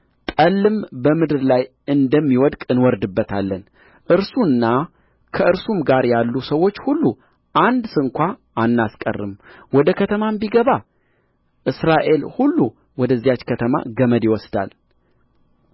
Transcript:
ጠልም በምድር ላይ እንደሚወድቅ እንወርድበታለን እርሱና ከእርሱም ጋር ያሉ ሰዎች ሁሉ አንድ ስንኳ አናስቀርም ወደ ከተማም ቢገባ እስራኤል ሁሉ ወደዚያች ከተማ ገመድ ይወስዳል